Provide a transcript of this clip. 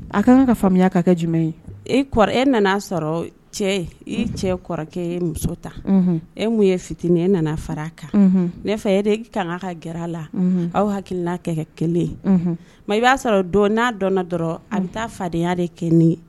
A ka kan ka faamuyaya ka kɛ jum ye e nana sɔrɔ cɛ i cɛ kɔrɔkɛ ye muso ta e mun ye fitinin e nana fara a kan ne fɛ e de' ka kan' ka g la aw hakili'a kɛ kɛ kelen mɛ i b'a sɔrɔ dɔn n'a dɔn dɔrɔn a bɛ taa fadenya de kɛ ne ye